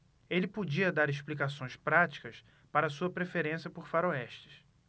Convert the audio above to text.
ele podia dar explicações práticas para sua preferência por faroestes